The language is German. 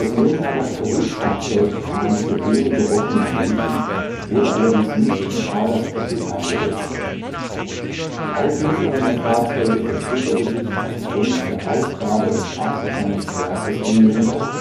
Nürnberger Versuchsfahrzeug kam für wenige Wochen nach München, wurde allerdings nicht im Fahrgastbetrieb eingesetzt. Die Auslieferung der Fahrzeuge verzögerte sich aufgrund der Aufgabe des Adtranz-Werkes in Nürnberg